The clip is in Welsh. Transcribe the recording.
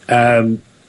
Yym.